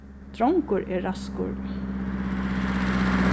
drongur er raskur